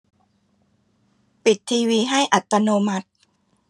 ปิดทีวีให้อัตโนมัติ